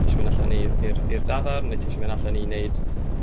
tiso mynd allan i'r dafarn neu tisio mynd allan i 'neud